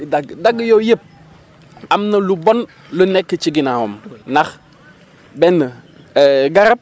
di dagg dagg yooyu yëpp am na lu bon lu nekk ci ginnaawam ndax benn garab